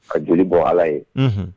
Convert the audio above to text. Ka joli bɔ ala ye